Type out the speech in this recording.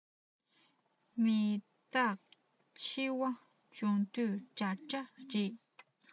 མི རྟག འཆི བ བྱུང དུས འདྲ འདྲ རེད